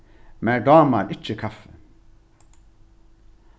mær dámar ikki kaffi